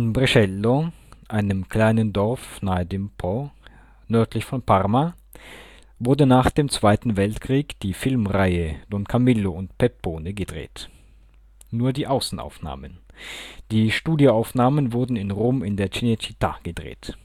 Brescello, einem kleinen Dorf nahe dem Po, nördlich von Parma, wurde nach dem Zweiten Weltkrieg die Filmreihe Don Camillo und Peppone gedreht (Außenaufnahmen, die Studioaufnahmen wurden in Rom in der Cinecittà gedreht